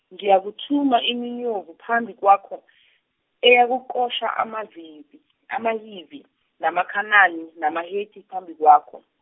ngiyakuthuma iminyovu phambi kwakho eyakuxosha amaVivi amaHivi, amaKhanani namaHeti phambi kwakho.